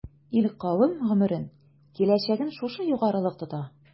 Ил-кавем гомерен, киләчәген шушы югарылык тота.